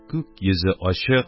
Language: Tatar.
Күк йөзе ачык,